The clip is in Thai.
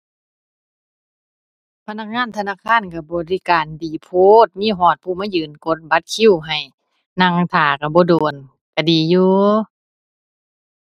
พนักงานธนาคารก็บริการดีโพด มีฮอดผู้มายืนกดบัตรคิวให้ นั่งท่าก็บ่โดน ก็ดีอยู่